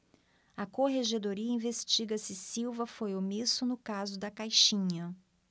a corregedoria investiga se silva foi omisso no caso da caixinha